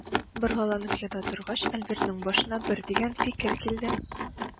Боргаланып ята торгач, Альбертның башына бер дигән фикер килде.